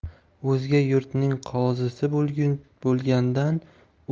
o'zga yurtning qozisi bo'lgandan